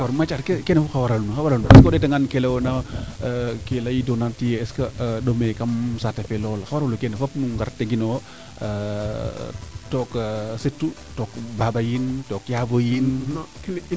d' accord Mathiase keene fop xaa waralun xa waralu o ndeeta ngan kee leyona ke leyidoona tiye est ce que ɗome kam saate fee lool xa waralu keene fop nu ngar tegino yo took surtout took Baba yiin took yabooy yiin